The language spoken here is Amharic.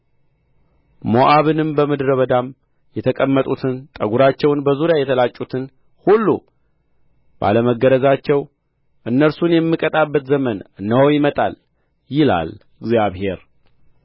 ሞዓብንም በምድረ በዳም የተቀመጡትን ጠጕራቸውን በዙሪያ የተላጩትን ሁሉ ባለመገረዛቸው እነርሱን የምቀጣበት ዘመን እነሆ ይመጣል ይላል እግዚአብሔር